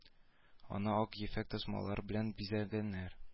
Аны ак ефәк тасмалар белән бизәгәннәр